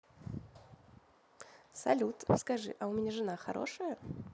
салют скажи а у меня жена хорошая